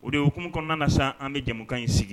O de ye okumu kɔnɔna na sisan an bɛ jamukan in sigi